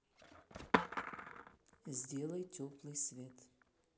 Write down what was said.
сделай теплый свет